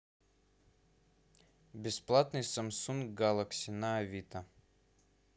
бесплатный samsung galaxy на авито